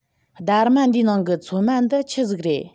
སྡེར མ འདིའི ནང གི ཚོད མ འདི ཆི ཟིག རེད